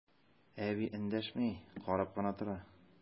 Әби эндәшми, карап кына тора.